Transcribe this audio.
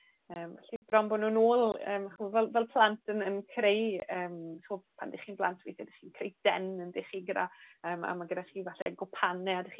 Yym felly bron bo' nw nôl yym ch'mo' fel fel plant yn yn creu yym ch'mo pan dych chi'n blant fe byddwch chi'n creu den yn'd 'yc chi gyda yym a ma' gyda chi falle gwpane a dych chi